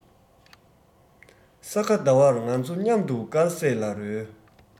ས ག ཟླ བར ང ཚོ མཉམ དུ དཀར ཟས ལ རོལ